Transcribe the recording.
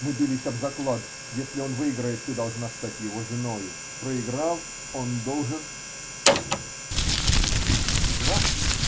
Мы бились об заклад: если он выиграет, ты должна стать его женою проиграв, он должен. -- Граф!